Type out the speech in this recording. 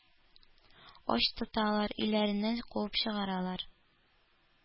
Ач тоталар, өйләреннән куып чыгаралар,